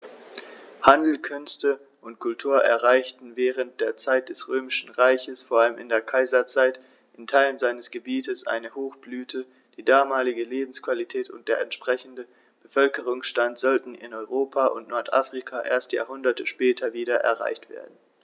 Handel, Künste und Kultur erreichten während der Zeit des Römischen Reiches, vor allem in der Kaiserzeit, in Teilen seines Gebietes eine Hochblüte, die damalige Lebensqualität und der entsprechende Bevölkerungsstand sollten in Europa und Nordafrika erst Jahrhunderte später wieder erreicht werden.